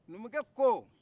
numukɛ ko